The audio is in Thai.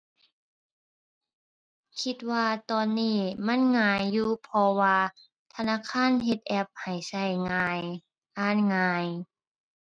คิดว่าตอนนี้มันง่ายอยู่ เพราะว่าธนาคารเฮ็ดแอปให้ใช้ง่าย อ่านง่าย